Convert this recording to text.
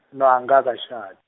no angikakashadi.